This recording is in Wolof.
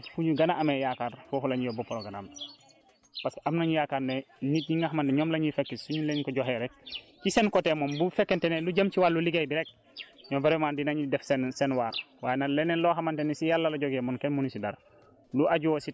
donc dañoo am yaakaar même si tànneefu village yi villages fu ñu gën a amee yaakaar foofu lañ yóbbu programme bi parce que am nañu yaakaar ne nit ñi nga xamante ne ñoom la ñuy fekki suñ leen ko joxee rek si seen côté moom bu fekkente ne lu jëm ci wàllu liggéey bi rek ñoom vraiment dinañ def seen seen waar